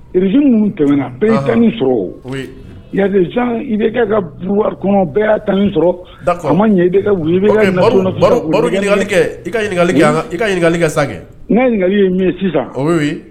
Régime ninnu tɛmɛna bɛɛ ye ta nin sɔrɔ o, ɔnhɔn, oui il y a des gens IBK ka pouvoir kɔnɔ bɛɛ y'i ta nin sɔrɔ, d'accord a ɲɛ kɛ IBK u ye IBK Baru kɛ ɲininkali kɛ i ka ɲininkakali ka sa n ka ɲininkakali ye min ye sisan o